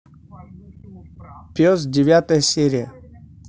пес девятая серия